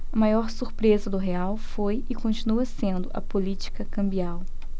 a maior surpresa do real foi e continua sendo a política cambial